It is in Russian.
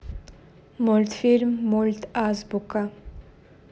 мультфильм мульт азбука